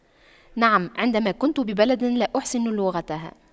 نعم عندما كنت ببلد لا أحسن لغتها